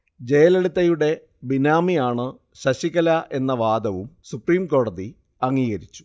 ജയലളിതയുടെ ബിനാമിയാണ് ശശികലയെന്ന വാദവും സുപ്രീംകോടതി അംഗീകരിച്ചു